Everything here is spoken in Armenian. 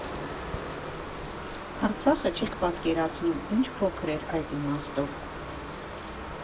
Արցախը, չեք պատկերացնում, ի՜նչ փոքր էր այդ իմաստով։